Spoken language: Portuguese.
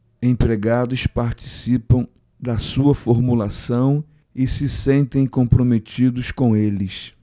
empregados participam da sua formulação e se sentem comprometidos com eles